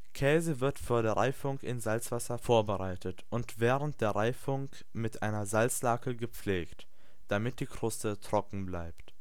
Käse wird vor der Reifung in Salzwasser vorbereitet und während der Reifung mit einer Salzlake gepflegt, damit die Kruste trocken bleibt